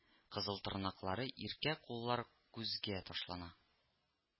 Кызыл тырнаклы иркә куллар күзгә ташлана